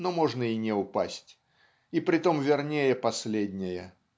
но можно и не упасть и притом вернее последнее.